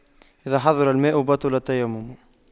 إذا حضر الماء بطل التيمم